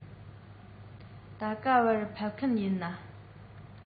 ད ག པར ཕེབས མཁན ཡིན ན